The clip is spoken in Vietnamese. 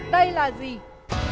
đây là gì